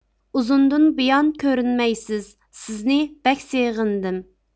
ئۇزۇندىن بۇيان كۆرۈنمەيسىز سىزنى بەك سېغىندىم